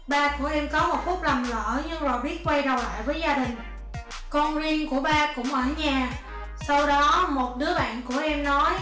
ba của em có một phút lầm lỡ nhưng rồi biết quay đầu lại với gia đình con riêng của ba cũng ở nhà sau đó một đứa bạn của em nói